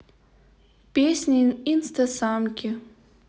песни инстасамки